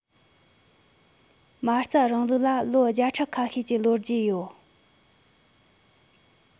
མ རྩའི རིང ལུགས ལ ལོ བརྒྱ ཕྲག ཁ ཤས ཀྱི ལོ རྒྱུས ཡོད